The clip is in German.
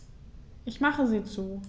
Ich mache sie zu.